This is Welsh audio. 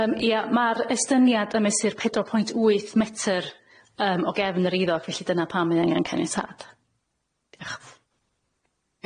Yym ia ma'r estyniad ym mesur pedwar pwynt wyth metr yym o gefn yr eiddo felly dyna pam mae angen caniatad. Diolch.